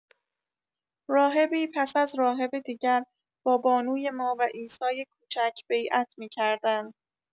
راهبی پس از راهب دیگر با بانوی ما و عیسای کوچک بیعت می‌کردند.